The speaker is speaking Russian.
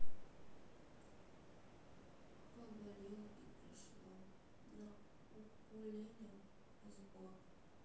поболело и прошло на укулеле разбор